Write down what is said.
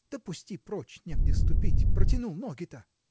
Да пусти прочь, негде ступить: протянул ноги-то!